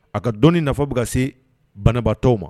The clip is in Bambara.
A ka dɔni nafa be ka se banabaatɔw ma